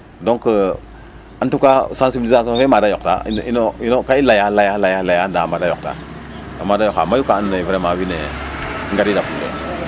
donc en tout cas sensiblisation fe a maada a yoqta in ino gaa i layaa layaa a maada o yoqta a maada yoqa mayu ka andoona yee vraiment wiin we ngariidafulee